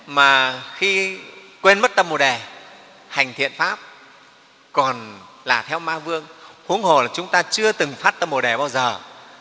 mà quên mất tâm bồ đề hành thiện pháp còn là theo ma vương huống hồ là chúng ta chưa từng phát tâm bồ đề bao giờ